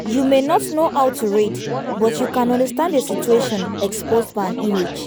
You may not know how to read but you can understand a situation exposed by an image.